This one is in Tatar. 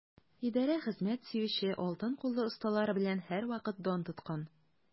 Идарә хезмәт сөюче, алтын куллы осталары белән һәрвакыт дан тоткан.